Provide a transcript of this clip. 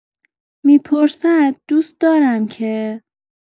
می‌پرسد دوست دارم که؟